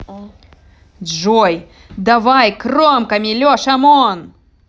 джой давай кромками леша мун